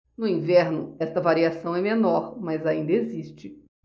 no inverno esta variação é menor mas ainda existe